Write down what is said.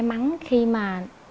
mắn khi mà